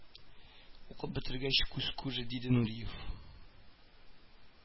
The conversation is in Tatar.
Укып бетергәч, күз күрер, диде Нуриев